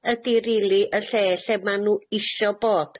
ydi rili y lle lle ma' nw isho bod.